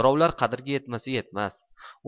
birovlar qadriga yetmasa yetmas